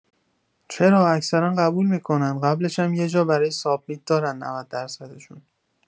چرا اکثرا قبول می‌کنن قبلشم یه جا برای سابمیت دارن ۹۰ درصدشون.